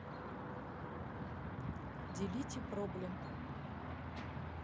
делите проблем